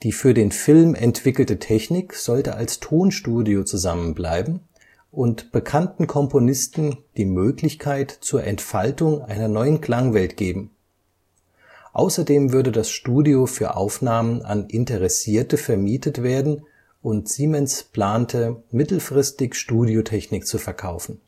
für den Film entwickelte Technik sollte als Tonstudio zusammen bleiben und bekannten Komponisten die Möglichkeit zur Entfaltung einer neuen Klangwelt geben. Außerdem würde das Studio für Aufnahmen an Interessierte vermietet werden und Siemens plante mittelfristig Studiotechnik zu verkaufen